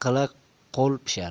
qila qila qo'l pishar